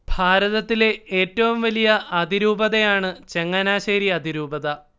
ഭാരതത്തിലെ ഏറ്റവും വലിയ അതിരൂപതയാണ് ചങ്ങനാശ്ശേരി അതിരൂപത